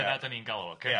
dyna dan ni'n galw fo ocê ia.